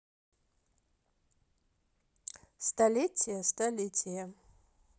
столетие столетие